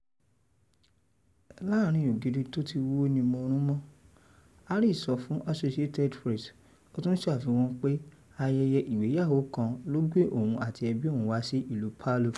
“Láàrin ògiri tó ti wó ni mo rún mọ́” Harris sọ fún Associated Press, ó tún ṣàfikún pé ayẹyẹ ìgbéyàwó kan ló gbé òun àti ẹbí òun wá sí ìlú Palu.